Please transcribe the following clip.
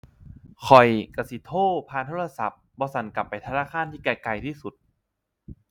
ข้อยก็สิโทรผ่านโทรศัพท์ บ่ซั้นก็ไปธนาคารที่ใกล้ใกล้ที่สุด